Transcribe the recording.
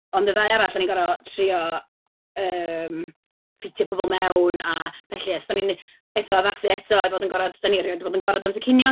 Ond y ddau arall dan ni'n gorfod trio, yym, ffitio pobl mewn a felly os dan ni'n wneud eto addasu eto i fod yn agored... Dan ni rioed 'di bod yn agored amser cinio.